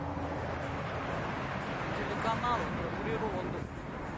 телеканалы про природу